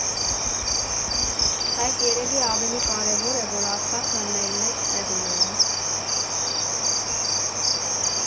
Բայց երևի ավելի կարևոր է, որ Արցախը մեր մեջ տեղ ունենա։